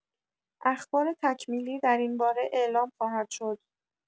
اخبار تکمیلی در این باره اعلام خواهد شد.